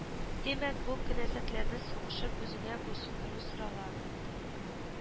Димәк бу кенәзлекләрне сугышып үзеңә буйсындыру сорала